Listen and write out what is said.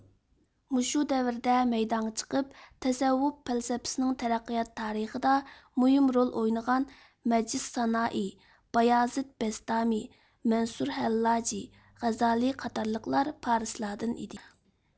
مۇشۇ دەۋردە مەيدانغا چىقىپ تەسەۋۋۇپ پەلسەپىسىنىڭ تەرەققىيات تارىخىدا مۇھىم رول ئوينىغان مەجىدسانائى بايازىد بەستامى مەنسۇرھەللاجى غەززالى قاتارلىقلار پارسلاردىن ئىدى